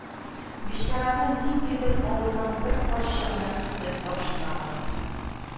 Бичараны ниндидер авылның бер карчыгына китереп тапшыралар